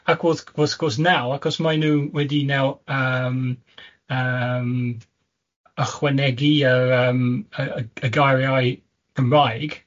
Ac wrth wrth gwrs naw', achos mae nhw wedi naw' yym yym, ychwanegu yr yym y y g- y gairiau Cymraeg